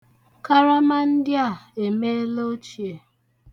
Karama ndị a emela ochie.